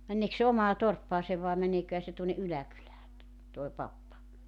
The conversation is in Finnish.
meneekös se omaan torppaansa vai meneeköhän se tuonne yläkylään tuo pappa